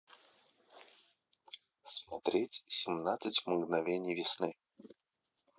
смотреть семнадцать мгновений весны